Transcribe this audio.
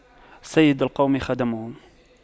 سيد القوم خادمهم